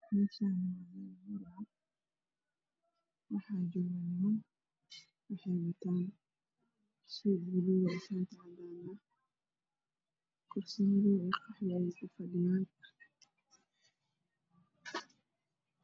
Meshaani waa meel hool ah waxaa jogo niman waxey wataan suud baluug iyo shati cadaan ah kursiyo qaxwi ayeey ku fadhiyaan